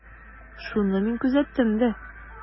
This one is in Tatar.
Шуны мин күзәттем дә.